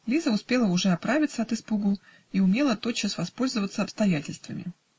Лиза успела уже оправиться от испугу и умела тотчас воспользоваться обстоятельствами.